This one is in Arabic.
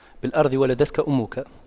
بالأرض ولدتك أمك